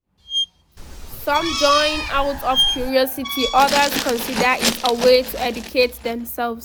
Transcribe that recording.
Some join out of curiosity; others consider it a way to educate themselves.